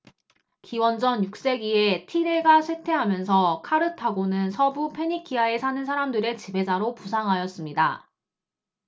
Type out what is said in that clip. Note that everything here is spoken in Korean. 기원전 육 세기에 티레가 쇠퇴하면서 카르타고는 서부 페니키아에 사는 사람들의 지배자로 부상하였습니다